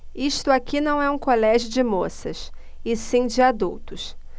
isto aqui não é um colégio de moças e sim de adultos